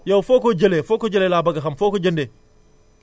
yow foo ko jëlee foo ko jëlee laa bëgg a xam foo ko jëndee